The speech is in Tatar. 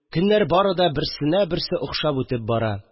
Көннәр бары да берсенә берсе охшап үтеп бара